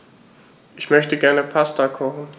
Ich möchte gerne Pasta kochen.